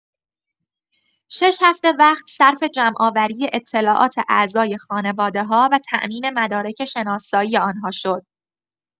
شش هفته وقت صرف جمع‌آوری اطلاعات اعضای خانواده‌ها و تامین مدارک شناسایی آنها شد.